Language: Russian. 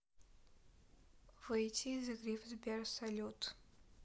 выйти из игры в сбер салют